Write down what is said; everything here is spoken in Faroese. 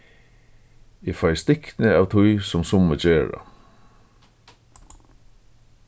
eg fái stikni av tí sum summi gera